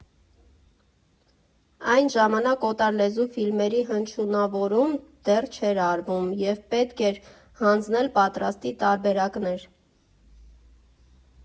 Այն ժամանակ օտարալեզու ֆիլմերի հնչյունավորում դեռ չէր արվում և պետք էր հանձնել պատրաստի տարբերակներ։